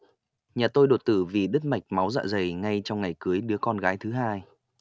nhà tôi đột tử vì đứt mạch máu dạ dày ngay trong ngày cưới đứa con gái thứ hai